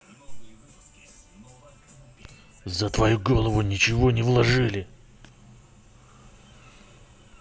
за твою голову ничего не вложили